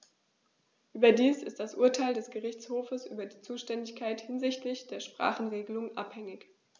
Überdies ist das Urteil des Gerichtshofes über die Zuständigkeit hinsichtlich der Sprachenregelung anhängig.